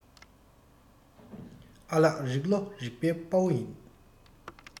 ཨ ལག རིག ལོ རིག པའི དཔའ བོ ཡིན